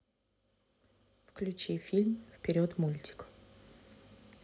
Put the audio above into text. включи фильм вперед мультик